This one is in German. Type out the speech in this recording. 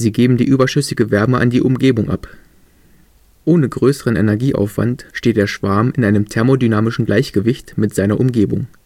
geben die überschüssige Wärme an die Umgebung ab. Ohne größeren Energieaufwand steht der Schwarm in einem thermodynamischen Gleichgewicht mit seiner Umgebung